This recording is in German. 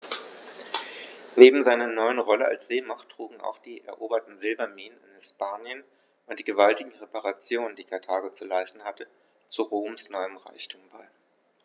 Neben seiner neuen Rolle als Seemacht trugen auch die eroberten Silberminen in Hispanien und die gewaltigen Reparationen, die Karthago zu leisten hatte, zu Roms neuem Reichtum bei.